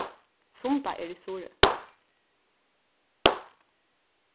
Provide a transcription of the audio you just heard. sumba er í suðuroy